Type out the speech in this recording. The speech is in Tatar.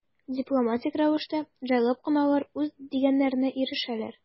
Дипломатик рәвештә, җайлап кына алар үз дигәннәренә ирешәләр.